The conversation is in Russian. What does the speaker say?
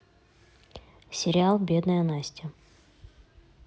сериал бедная настя